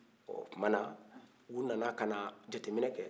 ɔ o tuma na u nana ka na jateminɛ kɛ